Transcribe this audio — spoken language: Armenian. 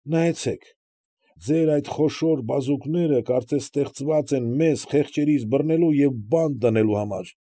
Նայեցե՛ք. ձեր այդ խոշոր բազուկները՝ կարծես ստեղծված են մեզ՝ խեղճերիս բռնելու և բանտ դնելու համար։